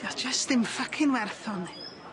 'Di o jyst dim ffycin werth o ni.